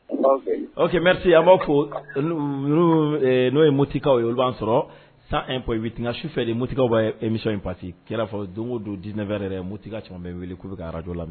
oke merisi an b'aw fɔ n'o ye motikaw ye olu b'an sɔrɔ san ɛn puwɛn wit nka su fɛ de motikaw bɛ emisiyɔn in pase a bɛ kɛ i n'afɔ don o don disinɛwɛri yɛrɛ motika caman bɛ n wele k'u bɛ arajo lamɛ.